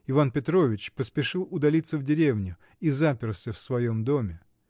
Иван Петрович поспешил удалиться в деревню и заперся в своем доме.